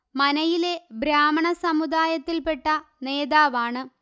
മനയിലെ ബ്രാഹ്മണ സമുദായത്തില്പെട്ട നേതാവാണ്